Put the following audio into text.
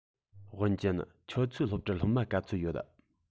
ཝུན ཅུན ཁྱོད ཚོའི སློབ གྲྭར སློབ མ ག ཚོད ཡོད